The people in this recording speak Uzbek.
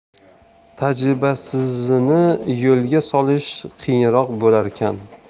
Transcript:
tajribasizini yo'lga solish qiyinroq bo'larkan